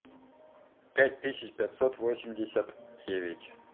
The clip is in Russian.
пять тысяч пятьсот восемьдесят девять